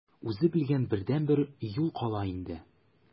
Үзе белгән бердәнбер юл кала инде.